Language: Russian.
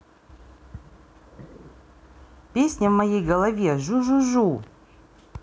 песня в моей голове жужужу